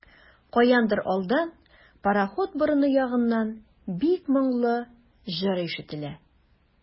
Каяндыр алдан, пароход борыны ягыннан, бик моңлы җыр ишетелә.